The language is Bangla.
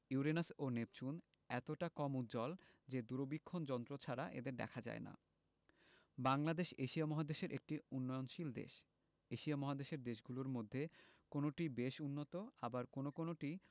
ইউরেনাস ও নেপচুন এতটা কম উজ্জ্বল যে দূরবীক্ষণ ছাড়া এদের দেখা যায় না বাংলাদেশ এশিয়া মহাদেশের একটি উন্নয়নশীল দেশ এশিয়া মহাদেশের দেশগুলোর মধ্যে কোনটি বেশ উন্নত আবার কোনো কোনোটি